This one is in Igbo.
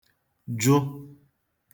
jụ